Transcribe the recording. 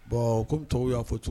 Bon kɔmi tɔgɔ y'a fɔ tun